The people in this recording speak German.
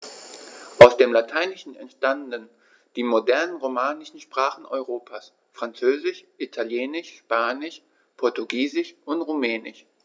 Aus dem Lateinischen entstanden die modernen „romanischen“ Sprachen Europas: Französisch, Italienisch, Spanisch, Portugiesisch und Rumänisch.